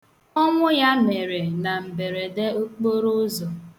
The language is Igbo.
Ọnwụ ya mere na mberede okporoụzo.